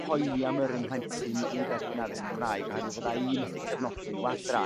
poeni am yrru mhlentyn i dderbyn addysg Cymraeg oherwydd fydda i methu cefnogi n'w adra